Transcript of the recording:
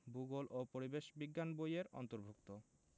ভূগোল ও পরিবেশ বিজ্ঞান বই এর অন্তর্ভুক্ত